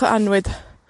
o annwyd.